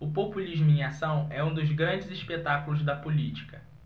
o populismo em ação é um dos grandes espetáculos da política